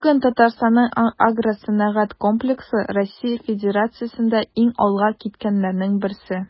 Бүген Татарстанның агросәнәгать комплексы Россия Федерациясендә иң алга киткәннәрнең берсе.